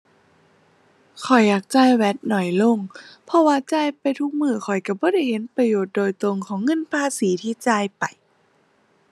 ข้อยอยากจ่าย VAT น้อยลง เพราะว่าจ่ายไปทุกมื้อข้อยก็บ่ได้เห็นประโยชน์โดยตรงของเงินภาษีที่จ่ายไป